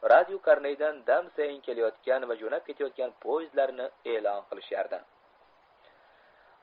radiokamaydan dam sayin kelayotgan va jo'nab ketayotgan poezdlarni elon qilishardi